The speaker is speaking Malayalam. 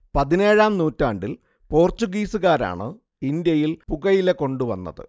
പതിനേഴാം നൂറ്റാണ്ടിൽ പോർച്ചുഗീസുകാരാണ് ഇന്ത്യയിൽ പുകയില കൊണ്ടുവന്നത്